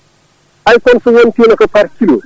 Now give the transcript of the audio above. ay tan so wonti ko par kilo